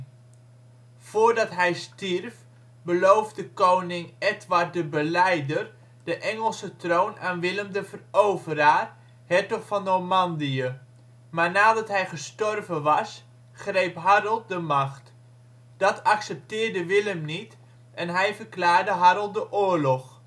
Voordat hij stierf beloofde koning Edward de Belijder de Engelse troon aan Willem de Veroveraar, hertog van Normandië. Maar nadat hij gestorven was greep Harold de macht. Dat accepteerde Willem niet en hij verklaarde Harold de oorlog